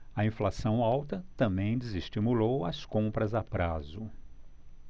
a inflação alta também desestimulou as compras a prazo